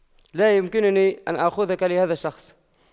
لا يمكنني أن آخذك لهذا الشخص